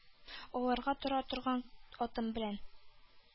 Аварга тора торган атым белән,